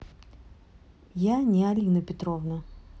я не алина петровна